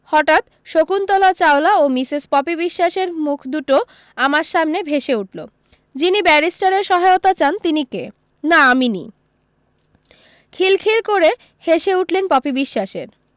হঠাত শকুন্তলা চাওলা ও মিসেস পপি বিশোয়াসের মুখ দুটোও আমার সামনে ভেষে উঠলো যিনি ব্যারিষ্টারের সহায়তা চান তিনি কে না আমি নি খিলখিল করে হেসে উঠলেন পপি বিশ্বাসের